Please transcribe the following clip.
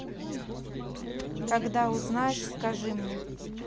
когда узнаешь скажи мне